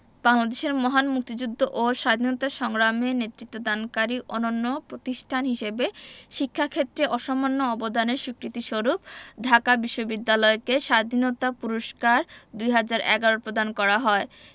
বাংলাদেশের মহান মুক্তিযুদ্ধ ও স্বাধীনতা সংগ্রামে নেতৃত্বদানকারী অনন্য প্রতিষ্ঠান হিসেবে শিক্ষা ক্ষেত্রে অসামান্য অবদানের স্বীকৃতিস্বরূপ ঢাকা বিশ্ববিদ্যালয়কে স্বাধীনতা পুরস্কার ২০১১ প্রদান করা হয়